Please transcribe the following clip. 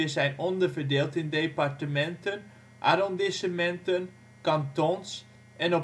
zijn onderverdeeld in departementen, arrondissementen, kantons en